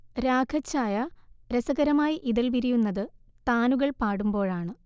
രാഗച്ഛായ രസകരമായി ഇതൾ വിരിയുന്നത് താനുകൾ പാടുമ്പോഴാണ്